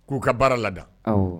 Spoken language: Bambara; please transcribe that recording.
K'o ka baara lada, awɔ.